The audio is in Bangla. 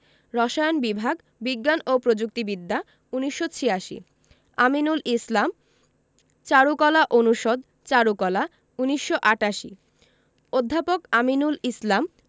রসায়ন বিভাগ বিজ্ঞান ও প্রযুক্তি বিদ্যা ১৯৮৬ আমিনুল ইসলাম চারুকলা অনুষদ চারুকলা ১৯৮৮ অধ্যাপক আমিনুল ইসলাম